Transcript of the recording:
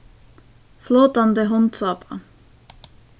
flótandi hondsápa